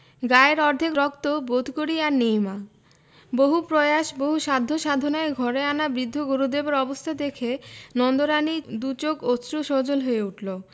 গায়ের অর্ধেক রক্ত বোধ করি আর নেই মা বহু প্রয়াস বহু সাধ্য সাধনায় ঘরে আনা বৃদ্ধ গুরুদেবের অবস্থা দেখে নন্দরানীর দু'চোখ অশ্রু সজল হয়ে উঠল